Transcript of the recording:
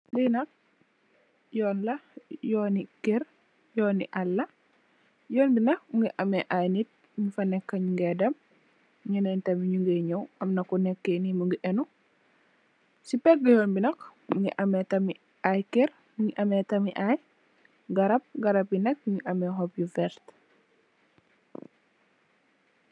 Li nak yoon la yooni kèr yooni allaa yoon bi nak mugii ameh ay nit ñu fa nèkka ñu ngi dem ñenen tam nu ngee ñaw am na ku nekkee ni mugii ènu ci pega yoon bi nak mugii ameh tamit ay kèr mugii ameh ay garap garap yi nak ñu ngi ameh xop yu werta.